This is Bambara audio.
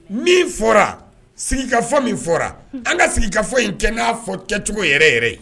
Min fɔra, sigika fɔ min fɔra, an ka sigikafɔ in kɛ n'a fɔ kɛcogo yɛrɛ yɛrɛ ye.